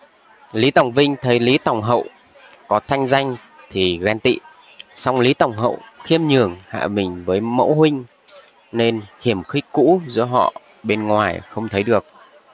lý tòng vinh thấy lý tòng hậu có thanh danh thì ghen tị song lý tòng hậu khiêm nhường hạ mình với mẫu huynh nên hiềm khích cũ giữa họ bên ngoài không thấy được